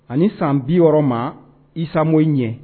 Ani san bi yɔrɔ ma isa m o ɲɛ